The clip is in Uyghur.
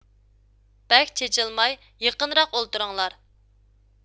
بەك چېچىلماي يېقىنراق ئولتۇرۇڭلار